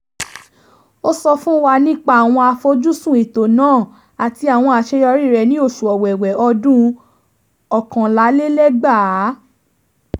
Ó sọ fún wa nípa àwọn àfojúsùn ètò náà àti àwọn àṣeyọrí rẹ̀ ní oṣù Ọ̀wẹ̀wẹ̀ ọdún 2011.